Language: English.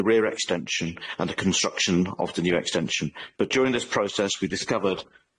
the rear extension and the construction of the new extension, but during this process, we discovered